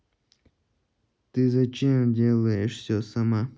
ты зачем делаешь все сама